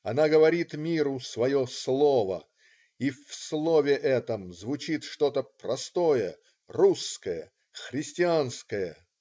Она говорит миру "свое слово", и в слове этом звучит что-то простое, русское, христианское.